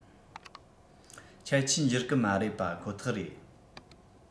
ཁྱད ཆོས འགྱུར གི མ རེད པ ཁོ ཐག རེད